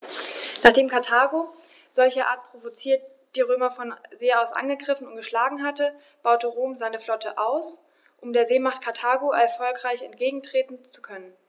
Nachdem Karthago, solcherart provoziert, die Römer von See aus angegriffen und geschlagen hatte, baute Rom seine Flotte aus, um der Seemacht Karthago erfolgreich entgegentreten zu können.